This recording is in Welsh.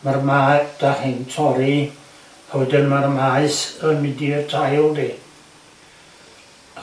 ma'r mae- dach chi'n torri a wedyn ma'r maeth yn mynd i'r tail yndi?